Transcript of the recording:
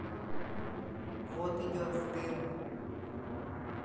вот идем в дым